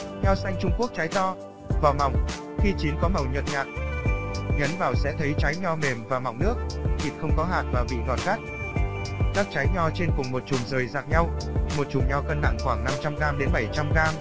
nho xanh trung quốc trái to vỏ mỏng khi chín có màu nhợt nhạt ấn vào sẽ thấy trái nho mềm và mọng nước thịt không có hạt và vị ngọt gắt các trái nho trên cùng chùm rời rạc nhau một chùm nho cân nặng khoảng g g